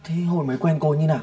thế hồi mới quen cô ấy như nào